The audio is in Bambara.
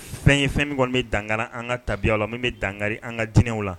Fɛn ye fɛn min kɔni bɛ dangakara an ka tabiya la min bɛ danga an ka diinɛw la